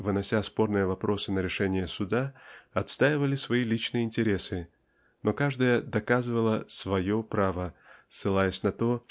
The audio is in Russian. внося спорные вопросы на решение суда отстаивали свои личные интересы но каждая доказывала "свое право" ссылаясь на то